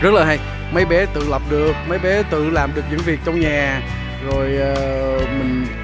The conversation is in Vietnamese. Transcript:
rất là hay mấy bé tự lập được mấy bé tự làm được những việc trong nhà rồi ờ mình